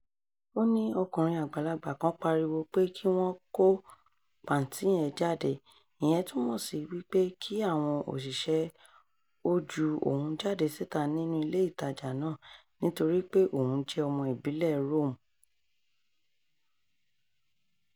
Ó ní ọkùnrin àgbàlagbà kan pariwo pé kí wọ́n "kó pàǹtí yẹn jáde", ìyẹn túmọ̀ sí wípé kí àwọn òṣìṣẹ́ ó ju òun jáde síta nínú ilé ìtajà náà nítorí pé òun jẹ́ ọmọ ìbílẹ̀ Rome.